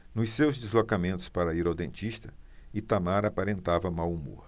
nos seus deslocamentos para ir ao dentista itamar aparentava mau humor